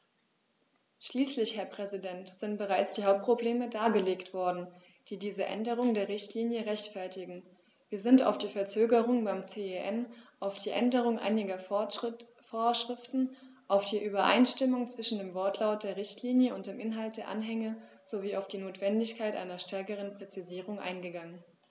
Schließlich, Herr Präsident, sind bereits die Hauptprobleme dargelegt worden, die diese Änderung der Richtlinie rechtfertigen, wir sind auf die Verzögerung beim CEN, auf die Änderung einiger Vorschriften, auf die Übereinstimmung zwischen dem Wortlaut der Richtlinie und dem Inhalt der Anhänge sowie auf die Notwendigkeit einer stärkeren Präzisierung eingegangen.